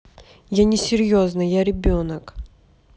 я не серьезно я ребенок